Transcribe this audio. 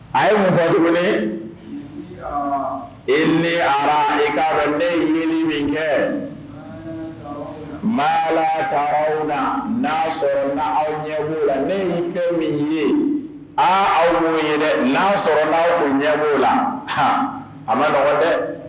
A ye mun tuguni e ni ne e ka ne ɲini min kɛ ma taaraw na na aw ɲɛ la ne kɛ min ye aa aw ma ye na sɔrɔ u ɲɛ la h a ma dɔgɔ dɛ